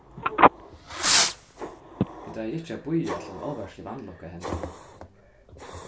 vit eiga ikki at bíða til ein álvarslig vanlukka hendir